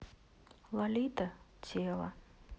лолита тело